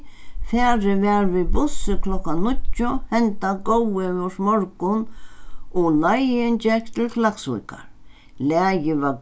farið varð við bussi klokkan níggju henda góðveðursmorgun og leiðin gekk til klaksvíkar lagið var